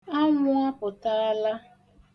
Anwụ apụtala.